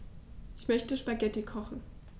Ich möchte Spaghetti kochen.